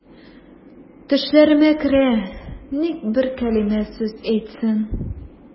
Төшләремә керә, ник бер кәлимә сүз әйтсен.